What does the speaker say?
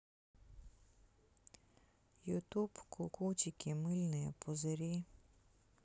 ютуб кукутики мыльные пузыри